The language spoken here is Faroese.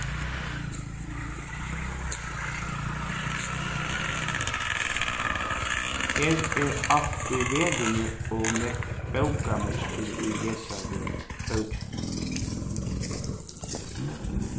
her er alt í verðini ov nógv bókamerkir í hesari bókini